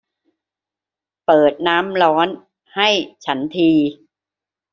เปิดน้ำร้อนให้ฉันที